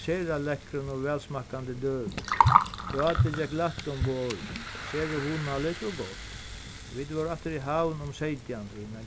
sera lekkrum og vælsmakkandi døgurða prátið gekk lætt um borðið sera hugnaligt og gott vit vóru aftur í havn um seytjantíðina